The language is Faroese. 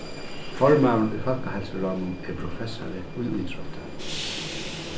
formaðurin í fólkaheilsuráðnum er professari í ítrótti